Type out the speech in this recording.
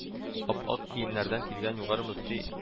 Ап-ак киемнәрдән килгән Югары мөфти